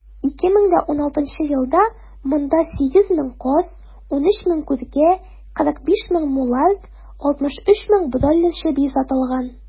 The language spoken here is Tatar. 2016 елда монда 8 мең каз, 13 мең күркә, 45 мең мулард, 63 мең бройлер чебие сатылган.